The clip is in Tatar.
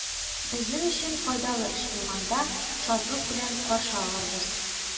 Безнең өчен файдалы эш булганда, шатлык белән каршы алырбыз.